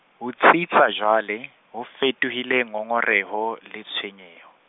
ho tsitsa jwale, ho fetohile ngongoreho, le tshwenyeho.